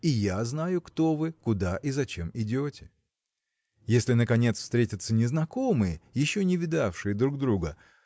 и я знаю, кто вы, куда и зачем идете. Если наконец встретятся незнакомые еще не видавшие друг друга